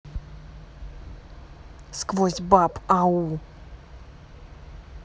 сквозь баб ау